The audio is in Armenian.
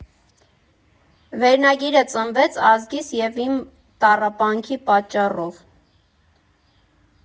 Վերնագիրը ծնվեց ազգիս և իմ տառապանքի պատճառով։